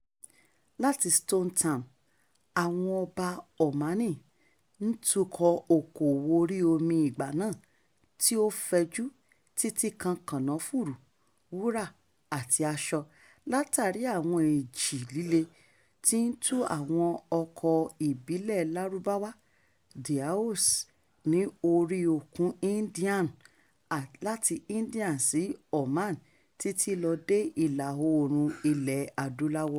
Láti Stone Town, àwọn ọba Omani ń tukọ̀ọ okòwò orí omi ìgbà náà tí ó fẹjú, títí kan kànáfùrù, wúrà, àti aṣọ , látàrí àwọn ìjì líle tí ń tu àwọn ọkọ̀ ìbílẹ̀ẹ Lárúbáwáa — dhows — ní oríi Òkun Indian, láti India sí Oman títí lọ dé Ìlà-Oòrùn Ilẹ̀ Adúláwọ̀.